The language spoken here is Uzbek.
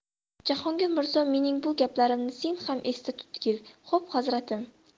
jahongir mirzo mening bu gaplarimni sen ham esda tutgil xo'p hazratim